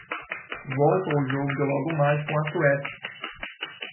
volto ao jogo de logo mais com a suécia